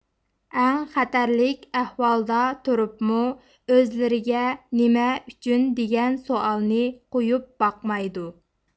ئەڭ خەتەرلىك ئەھۋالدا تۇرۇپمۇ ئۆزلىرىگە نېمە ئۈچۈن دېگەن سوئالنى قويۇپ باقمايدۇ